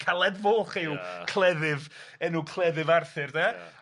Caledfwlch yw... Ia. ... cleddyf enw cleddyf Arthur, de. Ia.